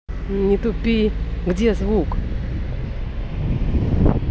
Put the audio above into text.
не тупи где звук